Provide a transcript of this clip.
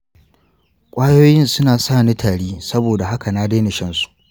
ƙwayoyin suna sani tari saboda haka na daina shan su.